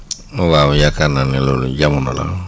waaw yaakaar naa ne loolu jamono la